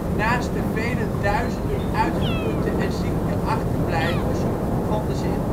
Naast de vele duizenden uitgeputte en zieke achterblijvers vonden ze in